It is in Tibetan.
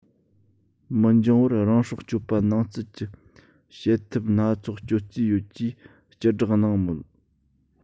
མི འགྱང བར རང སྲོག གཅོད པ ནང ཚུད ཀྱི བྱེད ཐབས སྣ ཚོགས སྤྱོད རྩིས ཡོད ཅེས སྤྱི བསྒྲགས གནང མོད